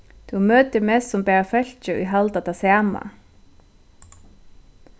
tú møtir mest sum bara fólki ið halda tað sama